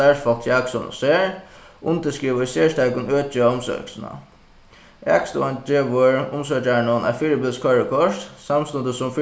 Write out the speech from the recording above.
starvsfólk hjá akstovuni sær undirskriva í serstakum øki á akstovan gevur umsøkjaranum eitt fyribils koyrikort samstundis sum